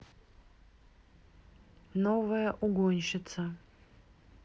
новая угонщица